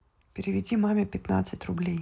переведи маме пятнадцать рублей